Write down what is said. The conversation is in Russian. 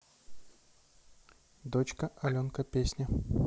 дочка аленка песня